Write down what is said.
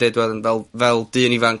...deud wedyn fel fel dyn ifanc